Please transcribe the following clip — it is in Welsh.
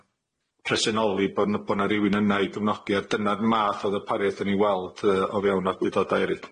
presenoli, bo' n- bo' 'na rywun yna i gefnogi, a dyna'r math o ddarpariaeth 'dan ni'n weld yy o fewn awdurdoda' erill.